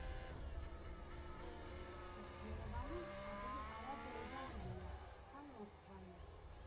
Իսկ Երևանում ավելի արագ ու էժան կլիներ, քան Մոսկվայում։